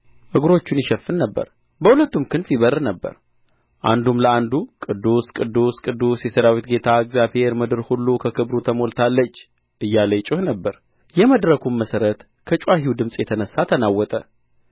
እግሮቹን ይሸፍን ነበር በሁለቱም ክንፍ ይበር ነበር አንዱም ለአንዱ ቅዱስ ቅዱስ ቅዱስ የሠራዊት ጌታ እግዚአብሔር ምድር ሁሉ ከክብሩ ተሞልታለች እያለ ይጮኽ ነበር የመድረኩም መሠረት ከጭዋኺው ድምፅ የተነሣ ተናወጠ